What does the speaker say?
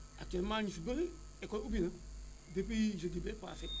actuellement ñu si bëre école ubbi na depuis jeudi bee paase